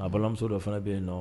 A balimamuso dɔ fana bɛ yen nɔ